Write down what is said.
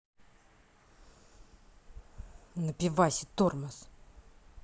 на пивасе тормоз